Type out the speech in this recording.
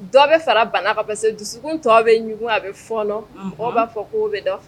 Dɔ bɛ fara bana kan parce que dusukun tɔ bɛ ɲugun a bɛ fɔnɔ mɔgɔw b'a fɔ k'o bɛ dɔ